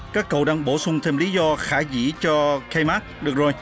các cậu đang bổ sung thêm lý do khả dĩ cho cây mác được rồi